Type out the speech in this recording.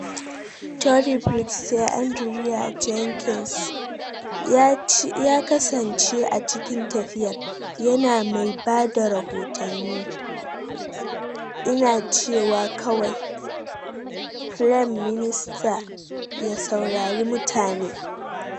Tory Brexiteer Andrea Jenkyns ya kasance a cikin tafiyar, yana mai ba da rahotanni: ‘Ina cewa kawai: Frem minister ya saurari mutane.